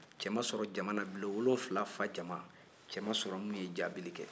cɛ ma sɔrɔ jama na bulon wolonwula fa jama cɛ ma sɔrɔ min bɛ jaabili kɛ